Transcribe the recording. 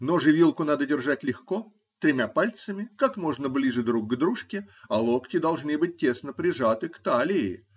Нож и вилку надо держать легко, тремя пальцами, как можно ближе друг к дружке, а локти должны быть тесно прижаты к талии